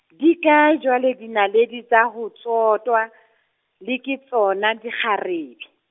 di kae jwale dinaledi tsa ho tsotwa , le ke tsona dikgare .